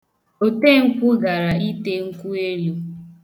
Otenkwụ gara ite nkwuelu.